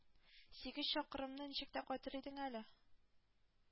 Сигез чакрымны ничек тә кайтыр идең әле.